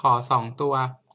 ขอสองตัว